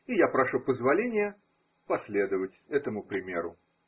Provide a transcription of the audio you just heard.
и я прошу позволения последовать этому примеру.